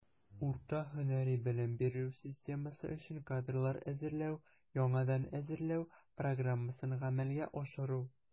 Урта һөнәри белем бирү системасы өчен кадрлар әзерләү (яңадан әзерләү) программасын гамәлгә ашыру.